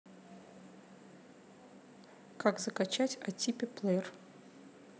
как закачать о типе плеер